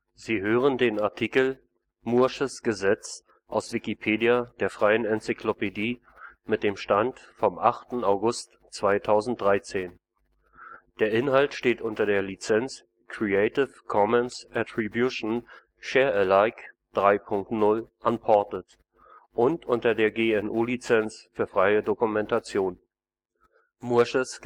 Sie hören den Artikel Mooresches Gesetz, aus Wikipedia, der freien Enzyklopädie. Mit dem Stand vom Der Inhalt steht unter der Lizenz Creative Commons Attribution Share Alike 3 Punkt 0 Unported und unter der GNU Lizenz für freie Dokumentation. Das